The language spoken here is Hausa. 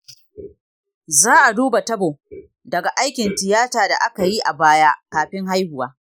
za'a duba tabo daga aikin tiyata da akayi a baya kafin haihuwa